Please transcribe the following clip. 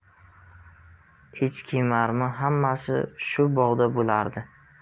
echkiemarmi hammasi shu bog'da bo'lardi